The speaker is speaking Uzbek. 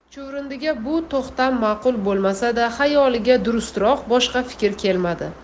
chuvrindiga bu to'xtam ma'qul bo'lmasa da xayoliga durustroq boshqa fikr kelmadi